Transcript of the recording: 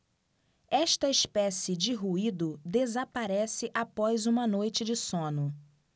esta espécie de ruído desaparece após uma noite de sono